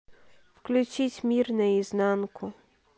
включить мир наизнанку